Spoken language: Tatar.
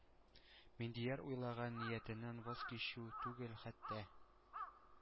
Миндияр уйлаган ниятеннән ваз кичү түгел, хәтта: